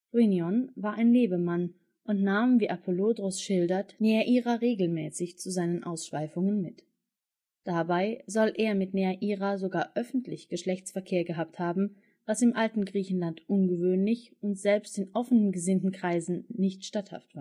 Phrynion war ein Lebemann und nahm, wie Apollodoros schildert, Neaira regelmäßig zu seinen Ausschweifungen mit. Dabei soll er mit Neaira sogar öffentlich Geschlechtsverkehr gehabt haben, was im alten Griechenland ungewöhnlich und selbst in offen gesinnten Kreisen nicht statthaft